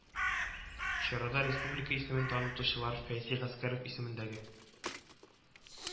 Чарада республика исемен танытучылар Фәйзи Гаскәров исемендәге